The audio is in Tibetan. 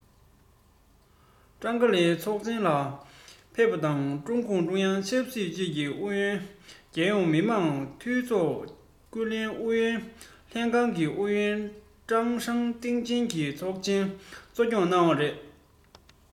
ཀྲང ཀའོ ལི ཚོགས ཆེན ལ ཕེབས པ དང ཀྲུང གུང ཀྲུང དབྱང ཆབ སྲིད ཅུས ཀྱི རྒྱུན ཨུ རྒྱལ ཡོངས མི དམངས འཐུས ཚོགས རྒྱུན ལས ཨུ ཡོན ལྷན ཁང གི ཨུ ཡོན ཀྲང ཀྲང ཏེ ཅང གིས ཚོགས ཆེན གཙོ སྐྱོང གནང བ རེད